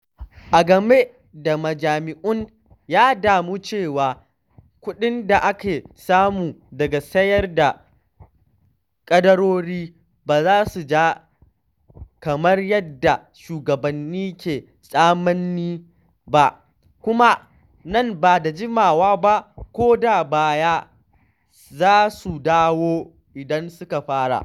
A game da majami’un, ya damu cewa kuɗin da ake samu daga sayar da kadarori ba za su jima kamar yadda shugabanni ke tsammani ba, “kuma nan ba da jimawa ba ko daga baya za su dawo idan suka fara.”